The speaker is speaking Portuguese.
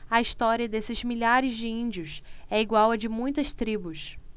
a história desses milhares de índios é igual à de muitas tribos